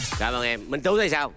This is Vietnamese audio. cảm ơn em minh tú thì sao